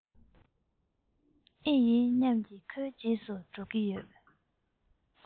ཨེ རྙེད སྙམ གྱིན ཁོའི རྗེས སུ འགྲོ གི ཡོད